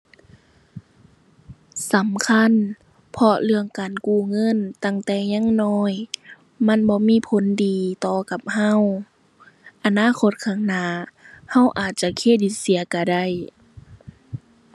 สำคัญ เพราะเรื่องการกู้เงินตั้งแต่ยังน้อย มันบ่มีผลดีต่อกับเรา อนาคตข้างหน้าเราอาจจะเครดิตเสียเราได้